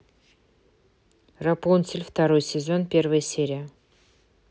рапунцель второй сезон первая серия